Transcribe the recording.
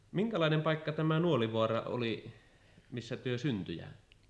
minkälainen paikka tämä Nuolivaara oli missä te synnyitte